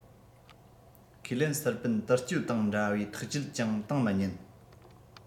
ཁས ལེན སུར པན ཏིལ སྐྱོ དང འདྲ བས ཐག བཅད ཅིང བཏང མི ཉན